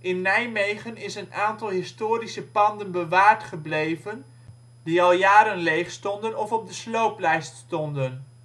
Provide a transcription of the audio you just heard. In Nijmegen is een aantal historische panden bewaard gebleven die al jaren leegstonden of op de slooplijst stonden